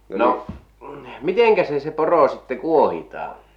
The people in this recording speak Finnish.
no miten se se poro sitten kuohitaan